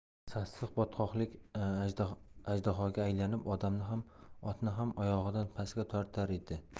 sassiq botqoqlik ajdahoga aylanib odamni ham otni ham oyog'idan pastga tortar edi